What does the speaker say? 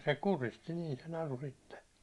se kuristi niin se naru sitten